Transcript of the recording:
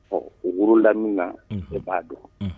na e b'a dɔn